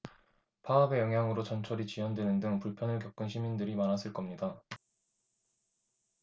파업의 영향으로 전철이 지연되는 등 불편을 겪은 시민들이 많았을 겁니다